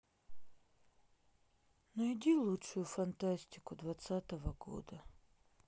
найди лучшую фантастику двадцатого года